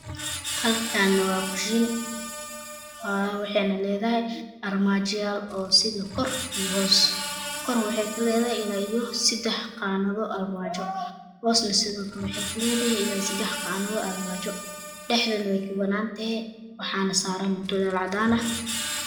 Halkaane waa ku shiin waa waxeyna ledahy armajayaal oo sida kor iyo hoos kor waxey ka ledahy ilaa iyo sedex qanado armajo hoos Sido kale waxaey ka ledahy ilaa iyo sedex qanado armajo dhaxdane wey ka banan tahe wax saran mutulel cadan ah